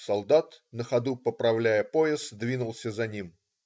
Солдат, на ходу поправляя пояс, двинулся за ним.